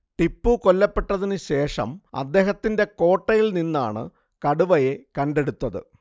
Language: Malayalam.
ടിപ്പൂ കൊല്ലപ്പെട്ടതിനുശേഷം അദ്ദേഹത്തിന്റെ കോട്ടയിൽ നിന്നാണ് കടുവയെ കണ്ടെടുത്തത്